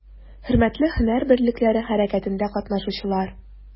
Хөрмәтле һөнәр берлекләре хәрәкәтендә катнашучылар!